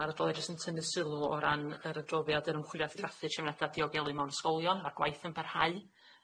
Ma'r ydol e jyst yn tynnu sylw o ran yr adroddiad yr ymchwiliad i graffu diogelu mewn ysgolion, mae'r gwaith yn parhau